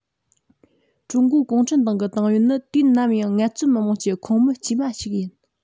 ཀྲུང གོའི གུང ཁྲན ཏང གི ཏང ཡོན ནི དུས ནམ ཡང ངལ རྩོལ མི དམངས ཀྱི ཁོངས མི དཀྱུས མ ཞིག ཡིན